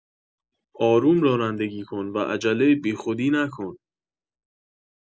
آروم رانندگی کن و عجله بیخودی نکن